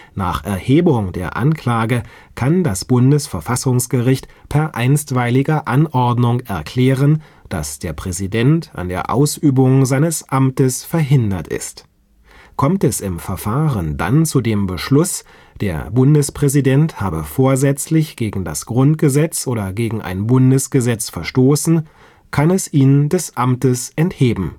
Nach Erhebung der Anklage kann das Bundesverfassungsgericht per Einstweiliger Anordnung erklären, dass der Präsident an der Ausübung seines Amtes verhindert ist. Kommt es im Verfahren dann zu dem Schluss, der Bundespräsident habe vorsätzlich gegen das Grundgesetz oder gegen ein Bundesgesetz verstoßen, kann es ihn des Amtes entheben